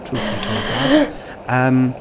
Truth be told, guv yym.